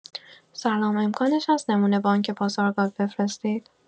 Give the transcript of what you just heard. سلام امکانش هست نمونه بانک پاسارگارد بفرستید؟